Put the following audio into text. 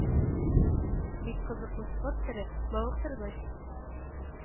Бик кызыклы спорт төре, мавыктыргыч